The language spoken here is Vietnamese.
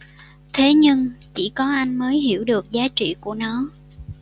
thế nhưng chỉ có anh mới hiểu được giá trị của nó